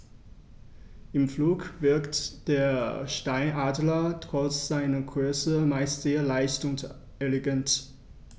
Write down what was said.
Im Flug wirkt der Steinadler trotz seiner Größe meist sehr leicht und elegant.